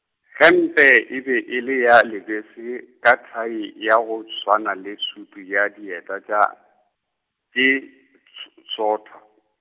hempe e be e le ya lebese, ka thai ya go swana le sutu ya dieta tša, tše tsh- tsothwa.